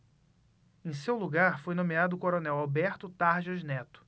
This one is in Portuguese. em seu lugar foi nomeado o coronel alberto tarjas neto